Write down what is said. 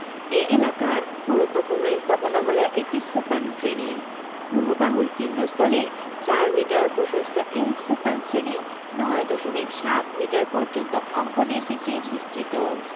এ এলাকার গুরুত্বপূর্ণ স্থাপনা হলো একটি সোপান শ্রেণি পূর্ব বাহুর কেন্দ্রস্থলে ৪ মিটার প্রশস্ত এ সোপান শ্রেণি ৯ দশমিক সাত মিটার পর্যন্ত অঙ্গনের দিকে বিস্তৃত